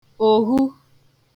òhu